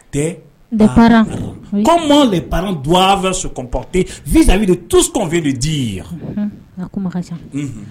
Sopte vbi tu de di yan